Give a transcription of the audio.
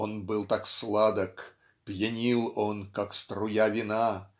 Он был так сладок, Пьянил он, как струя вина!